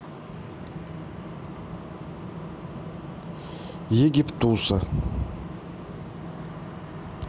египтуса